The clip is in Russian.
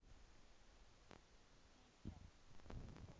сити